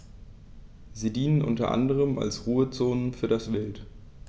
Sie dienen unter anderem als Ruhezonen für das Wild.